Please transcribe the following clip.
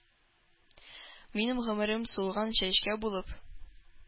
Минем гомерем сулган чәчкә булып